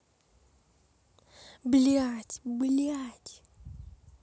блять блять